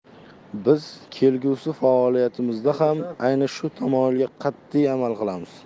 biz kelgusi faoliyatimizda ham ayni shu tamoyilga qat'iy amal qilamiz